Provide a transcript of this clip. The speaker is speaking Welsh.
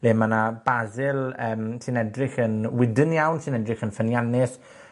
le ma' 'na basil yym, sy'n edrych yn wydn iawn, sy'n edrych yn ffyniannus,